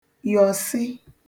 yọ̀sị